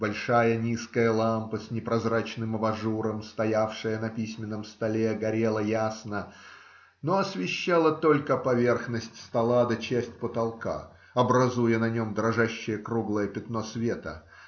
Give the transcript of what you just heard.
Большая низкая лампа с непрозрачным абажуром, стоявшая на письменном столе, горела ясно, но освещала только поверхность стола да часть потолка, образуя на нем дрожащее круглое пятно света